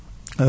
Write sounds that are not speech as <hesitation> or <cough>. <hesitation> <hesitation>